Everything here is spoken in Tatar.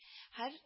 Һәр